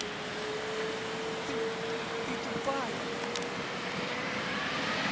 ты ты тупая